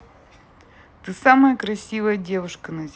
ты самая красивая девушка на земле